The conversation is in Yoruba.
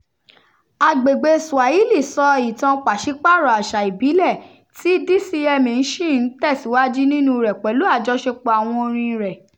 Agbègbèe Swahili sọ ìtàn pàṣípààrọ àṣà ìbílẹ̀ tí DCMA ṣì ń tẹ̀síwájú nínúu rẹ̀ pẹ̀lú àjọṣepọ̀ àwọn orin-in rẹ̀ .